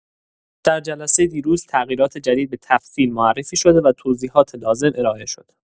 در جلسه دیروز، تغییرات جدید به‌تفصیل معرفی شده و توضیحات لازم ارائه شد.